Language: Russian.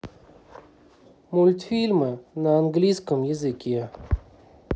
мультфильмы на английском языке